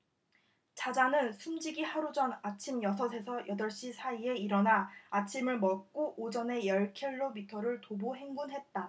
자자는 숨지기 하루 전 아침 여섯 에서 여덟 시 사이에 일어나 아침을 먹고 오전에 열 키로미터를 도보 행군했다